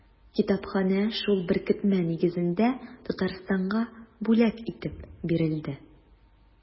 Китапханә шул беркетмә нигезендә Татарстанга бүләк итеп бирелде.